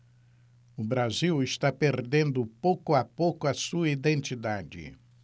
o brasil está perdendo pouco a pouco a sua identidade